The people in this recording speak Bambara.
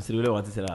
wagati sera a